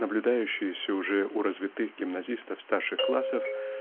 наблюдающееся уже у развитых гимназистов старших классов